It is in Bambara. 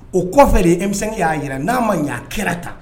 O kɔfɛ de ye emisɛn y'a jira n'a ma y'a kɛra ta